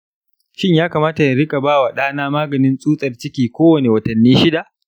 shin ya kamata in riƙa ba wa ɗa na maganin tsutsar ciki ko wani watanni shida?